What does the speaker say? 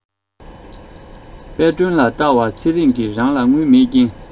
དཔལ སྒྲོན ལ བལྟ བར ཚེ རིང གི རང ལ དངུལ མེད རྐྱེན